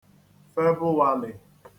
Febụwalị